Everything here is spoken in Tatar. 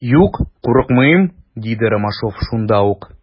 Юк, курыкмыйм, - диде Ромашов шунда ук.